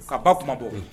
Ka ba kuma bɔ